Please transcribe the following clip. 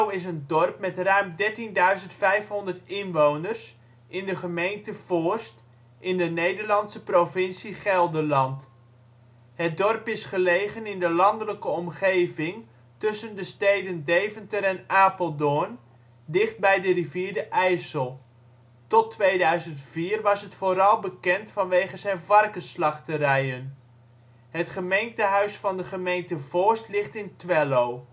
is een dorp met ruim 13.500 inwoners in de gemeente Voorst, in de Nederlandse provincie Gelderland. Het dorp is gelegen in de landelijke omgeving tussen de steden Deventer en Apeldoorn, dicht bij de rivier de IJssel. Tot 2004 was het vooral bekend wegens zijn varkens-slachterijen. Het gemeentehuis van de gemeente Voorst ligt in Twello